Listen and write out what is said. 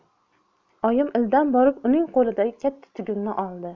oyim ildam borib uning qo'lidagi katta tugunni oldi